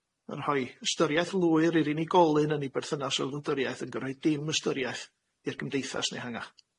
yn rhoi ystyriaeth lwyr i'r unigolyn yn ei berthynas â'r wladwriaeth, ag yn rhoi dim ystyriaeth i'r gymdeithas yn ehangach.